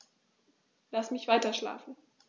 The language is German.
Lass mich weiterschlafen.